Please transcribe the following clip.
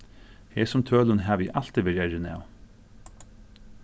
hesum tølum havi eg altíð verið errin av